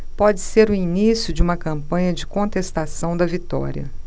pode ser o início de uma campanha de contestação da vitória